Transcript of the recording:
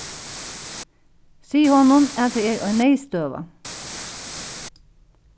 sig honum at tað er ein neyðstøða